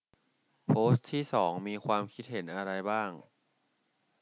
โพสต์ที่สองมีความคิดเห็นอะไรบ้าง